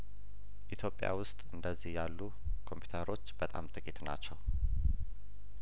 ኢትዮጵያ ውስጥ እንደዚህ ያሉ ኮምፒውተሮች በጣም ጥቂት ናቸው